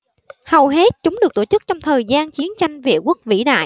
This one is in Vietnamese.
hầu hết chúng được tổ chức trong thời gian chiến tranh vệ quốc vĩ đại